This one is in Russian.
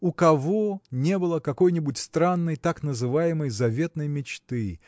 У кого не было какой-нибудь странной так называемой заветной мечты